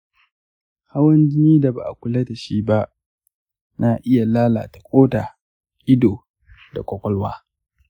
hawan jini da ba a kula da shi ba na iya lalata koda, ido, da kwakwalwa.